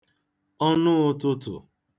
ọnụ ụ̄tụ̄tụ̀